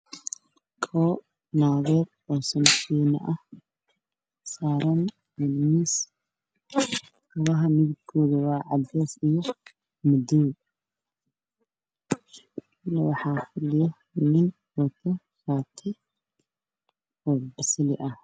Meeshaan waxaa ka muuqdo kabo naageed oo saaran miis